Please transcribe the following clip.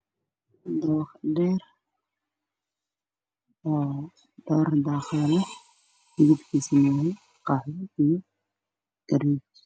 Waa dabaq dheer midabkiisa yahay qaxwi iyo cadees